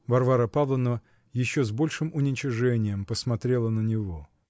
Варвара Павловна еще с большим уничижением посмотрела на него.